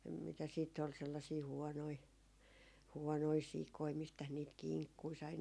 mitäs sitten oli sellaisia huonoja huonoja sikoja mistäs niitä kinkkuja sai